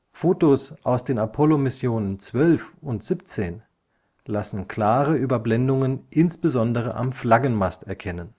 Fotos aus den Apollo-Missionen 12 und 17 lassen klare Überblendungen insbesondere am Flaggenmast erkennen